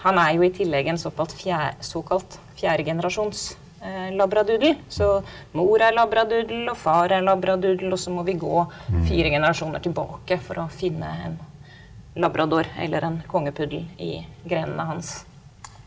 han er jo i tillegg en såkalt såkalt fjerdegenerasjons labradoodle, så mor er labradoodle og far er labradoodle og så må vi gå fire generasjoner tilbake for å finne en labrador eller en kongepuddel i grenene hans.